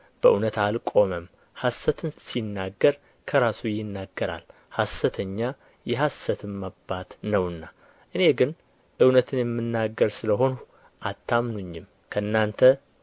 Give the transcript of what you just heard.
በእውነት አልቆመም ሐሰትን ሲናገር ከራሱ ይናገራል ሐሰተኛ የሐሰትም አባት ነውና እኔ ግን እውነትን የምናገር ስለ ሆንሁ አታምኑኝም ከእናንተ ስለ ኃጢአት የሚወቅሰኝ ማን ነው